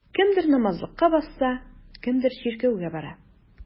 Кемдер намазлыкка басса, кемдер чиркәүгә бара.